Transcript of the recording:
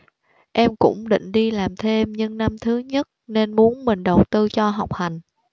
em cũng định đi làm thêm nhưng năm thứ nhất nên muốn mình đầu tư cho học hành